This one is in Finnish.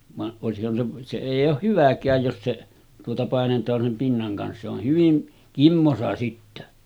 vaan olisihan se se ei ole hyväkään jos se tuota painetaan sen pinnan kanssa se on hyvin kimmoisa sitten